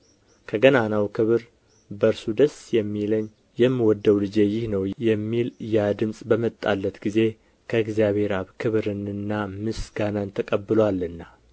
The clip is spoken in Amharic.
ከገናናው ክብር በእርሱ ደስ የሚለኝ የምወደው ልጄ ይህ ነው የሚል ያ ድምፅ በመጣለት ጊዜ ከእግዚአብሔር አብ ክብርንና ምስጋናን ተቀብሎአልና